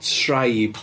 Tribes.